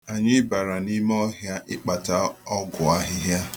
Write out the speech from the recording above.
Anyị bara n'ime ọhịa ịkpata ọgwụ ahịhịa.